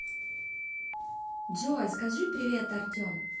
джой скажи привет артем